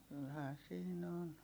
kyllähän siinä on